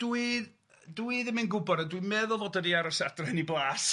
Dwi dwi dwi ddim yn gwybod, ond dwi'n meddwl bod o di aros adre yn ei blas